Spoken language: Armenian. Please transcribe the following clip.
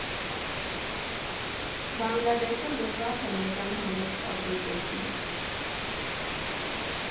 Բանգլադեշում դժվար թե մետալ համերգ կազմակերպվի։